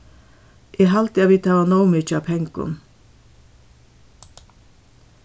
eg haldi at vit hava nóg mikið av pengum